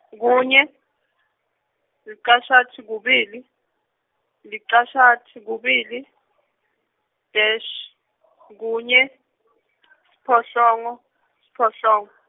kunye, licashata kubili, licashata kubili, dash, kunye, siphohlongo, siphohlongo.